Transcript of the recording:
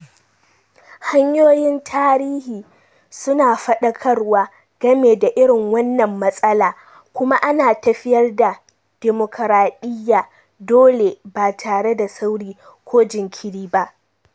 Hanyoyin tarihi su na faɗakarwa game da irin wannan matsala, kuma ana tafiyar da dimokuradiyya dole ba tare da sauri ko jinkiri ba.